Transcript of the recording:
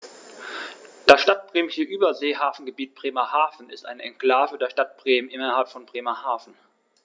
Das Stadtbremische Überseehafengebiet Bremerhaven ist eine Exklave der Stadt Bremen innerhalb von Bremerhaven.